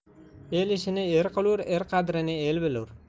el ishini er qilur er qadrini el bilur